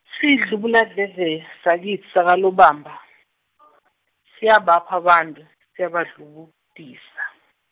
sidlubuladledle, sakitsi sakaLobamba , siyabapha bantfu, siyabadlubutisa.